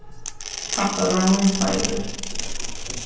hatta var mín feilur